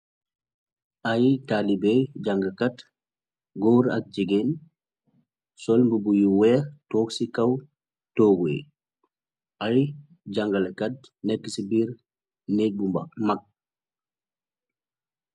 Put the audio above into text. ay taalibéy jàngakat góor ak jégéen solmba buyu weer toog ci kaw toowéy ay jàngalakat nekk ci biir nék bu mag